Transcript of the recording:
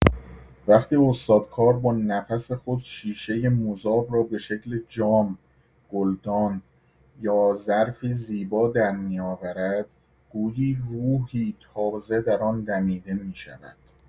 وقتی استادکار با نفس خود شیشه مذاب را به شکل جام، گلدان یا ظرفی زیبا درمی‌آورد، گویی روحی تازه در آن دمیده می‌شود.